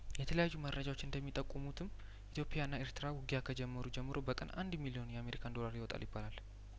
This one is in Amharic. የተለያዩ መረጃዎች እንደሚጠቁሙትም ኢትዮጵያና ኤርትራ ውጊያ ከጀመሩ ጀምሮ በቀን አንድ ሚሊዮን የአሜሪካ ዶላር ይወጣል ይባላል